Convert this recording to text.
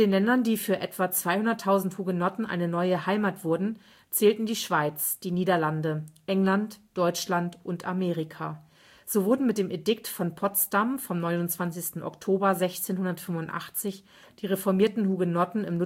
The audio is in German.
Ländern, die für etwa 200.000 Hugenotten eine neue Heimat wurden, zählten die Schweiz, die Niederlande, England, Deutschland und Amerika. So wurden mit dem Edikt von Potsdam vom 29. Oktober 1685 die reformierten Hugenotten